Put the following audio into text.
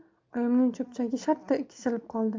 oyimning cho'pchagi shartta kesilib qoldi